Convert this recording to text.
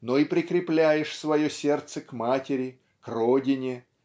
но и прикрепляешь свое сердце к матери к родине